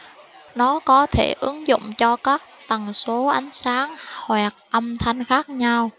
nó có thể ứng dụng cho các tần số ánh sáng hoặc âm thanh khác nhau